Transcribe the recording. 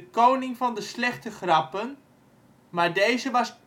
koning van de slechte grappen, maar deze was